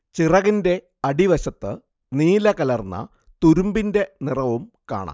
ചിറകിന്റെ അടിവശത്ത് നീലകലർന്ന തുരുമ്പിന്റെ നിറവും കാണാം